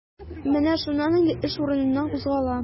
Менә шуннан инде эш урыныннан кузгала.